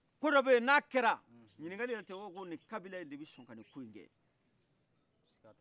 ko dow beyi na kɛra ɲinigali yɛrɛ tai uba fɔ ko ni kabila yi de bi sɔn kani koyi kɛ